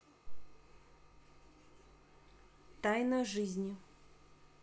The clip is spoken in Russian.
тайна жизни